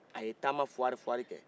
a ye taama fuwari-fuwari kɛ